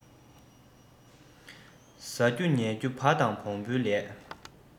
ཟ རྒྱུ ཉལ རྒྱུ བ དང བོང བའི ལས